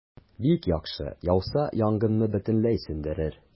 Бик яхшы, яуса, янгынны бөтенләй сүндерер.